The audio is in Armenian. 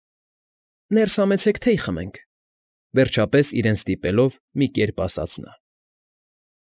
Ներս համեցեք, թեյ խմեք, ֊ վերջապես, իրեն ստիպելով, մի կերպ ասաց նա։ ֊